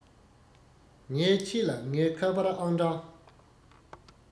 ངས ཁྱེད ལ ངའི ཁ པར ཨང གྲངས